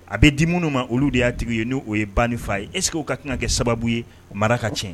A bɛ di minnu ma olu de y'a ye n'o ye banni fa ye esse ka kan ka kɛ sababu ye mara ka cɛn